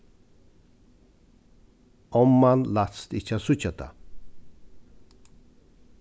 omman lætst ikki at síggja tað